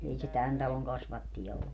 ei se tämän talon kasvatteja ollut